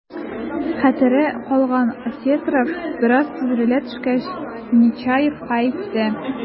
Хәтере калган Осетров, бераз сүрелә төшкәч, Нечаевка әйтте: